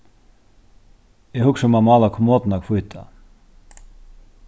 eg hugsi um at mála kommoduna hvíta